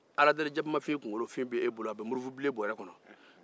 aladelijakumafin kunkolofin bɛ e bolo a bɛ murufubilen bɔrɛ kɔnɔ